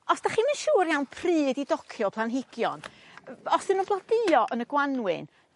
Os 'dach chi 'im yn siŵr iawn pryd i docio planhigion f- os 'dyn nw'n bloduo yn y gwanwyn